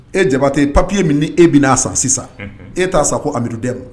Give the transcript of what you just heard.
E jabatɛ ye papiye min ni e bɛ'a sama sisan e t'a sa ko amadudu den ma